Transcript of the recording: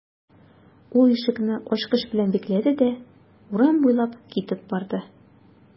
Ул ишекне ачкыч белән бикләде дә урам буйлап китеп барды.